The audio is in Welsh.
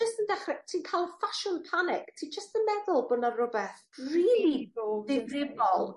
Jyst yn dechre... Ti'n ca'l ffasiwn panic ti jyst yn meddwl bo' 'na rwbeth rili ddifrifol